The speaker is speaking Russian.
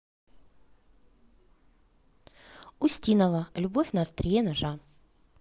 устинова любовь на острие ножа